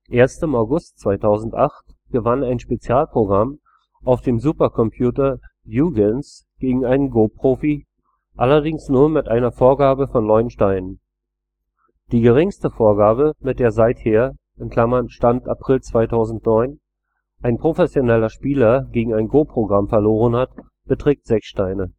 Erst im August 2008 gewann ein Spezialprogramm auf dem Supercomputer Huygens gegen einen Go-Profi, allerdings nur mit einer Vorgabe von neun Steinen. Die geringste Vorgabe, mit der seither (Stand April 2009) ein professioneller Spieler gegen ein Goprogramm verloren hat, beträgt sechs Steine